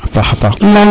a paxa paax